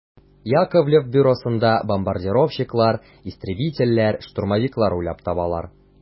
Яковлев бюросында бомбардировщиклар, истребительләр, штурмовиклар уйлап табалар.